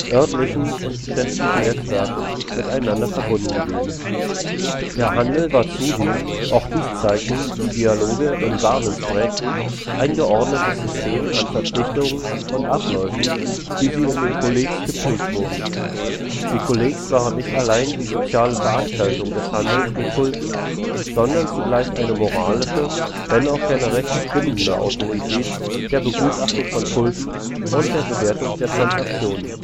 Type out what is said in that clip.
örtlichen und geschäftlichen Netzwerken miteinander verbunden gewesen. Der Handel war zudem, auch dies zeigten die Dialoge im Samen-Spraek, ein geordnetes System an Verpflichtungen und Abläufen, wie sie in den Kollegs gepflegt wurden. Die Kollegs waren nicht allein die soziale Veranstaltung des Handels mit Tulpen, sondern zugleich eine moralische, wenn auch keine rechtlich bindende Autorität der Begutachtung von Tulpen und der Bewertung der Transaktionen